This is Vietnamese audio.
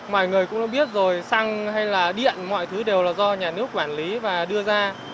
mọi người cũng biết rồi xăng hay là điện mọi thứ đều là do nhà nước quản lý và đưa ra